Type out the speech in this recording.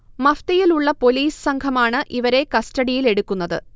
മഫ്തിയിലുള്ള police സംഘമാണ് ഇവരെ കസ്റ്റഡിയിൽ എടുക്കുന്നത്